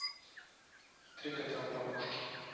три кота у бабушки